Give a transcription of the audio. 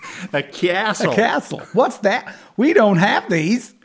A castle!... A castle! What's that? We don't have these.